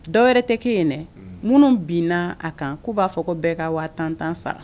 Dɔ yɛrɛ tɛ kɛ yen dɛ, un, minnu binna a kan kuu b'a fɔ ko bɛɛ ka 50000F 50000F sara